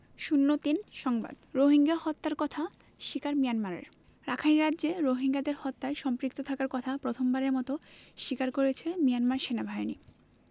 ০৩ সংবাদ রোহিঙ্গা হত্যার কথা স্বীকার মিয়ানমারের রাখাইন রাজ্যে রোহিঙ্গাদের হত্যায় সম্পৃক্ত থাকার কথা প্রথমবারের মতো স্বীকার করেছে মিয়ানমার সেনাবাহিনী